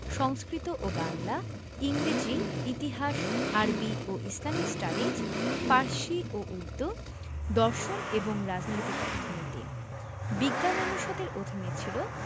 সংস্কৃত ও বাংলা ইংরেজি ইতিহাস আরবি ও ইসলামিক স্টাডিজ ফার্সি ও উর্দু দর্শন এবং রাজনৈতিক অর্থনীতি বিজ্ঞান অনুষদের অধীনে ছিল